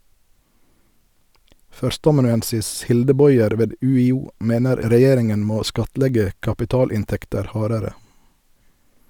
Førsteamanuensis Hilde Bojer ved UiO mener regjeringen må skattlegge kapitalinntekter hardere.